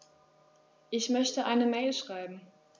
Ich möchte eine Mail schreiben.